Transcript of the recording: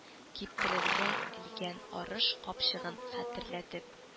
Киптерергә элгән арыш капчыгын хәтерләтеп